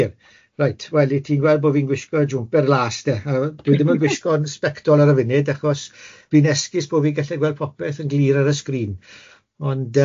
Reit, wel 'yt ti'n gweld bo fi'n gwisgo jwmper las te, yy dwi ddim yn gwisgo'n sbectol ar y funud achos fi'n esgus bo' fi'n gallu gweld popeth yn glir ar y sgrin, ond y